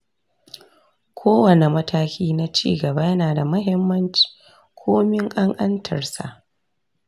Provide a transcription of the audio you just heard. kowane mataki na ci gaba yana da muhimmanci, komin ƙanƙantarsa.